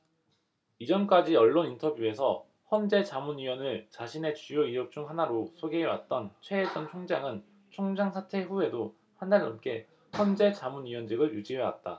이전까지 언론 인터뷰에서 헌재 자문위원을 자신의 주요 이력 중 하나로 소개해왔던 최 전 총장은 총장 사퇴 후에도 한달 넘게 헌재 자문위원직을 유지해왔다